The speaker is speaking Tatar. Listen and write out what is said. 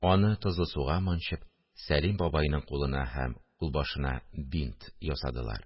Аны тозлы суга манчып, Сәлим бабайның кулына һәм кулбашына бинт ясадылар